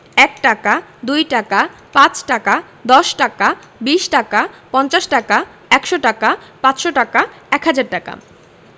১ টাকা ২ টাকা ৫ টাকা ১০ টাকা ২০ টাকা ৫০ টাকা ১০০ টাকা ৫০০ টাকা ১০০০ টাকা